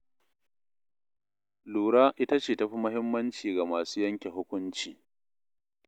Lura ita ce ta fi muhimmanci ga masu yanke hukunci.